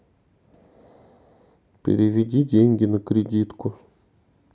переведи деньги на кредитку